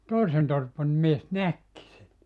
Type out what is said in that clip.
toisen torpan mies näkikin sen